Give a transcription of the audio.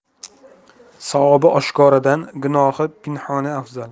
savobi oshkoradan gunohi pinhona afzal